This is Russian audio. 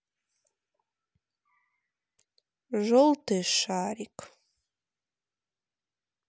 желтый шарик